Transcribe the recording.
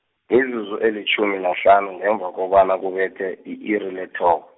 mizuzu elitjhumi nahlanu ngemva kobana kubethe i-iri letho-.